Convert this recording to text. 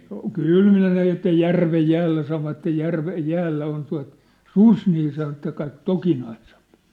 kyllä ne sen että järven jäällä sanoivat järven jäällä on tuo susi niin sanoi että kaikki tokinaisempi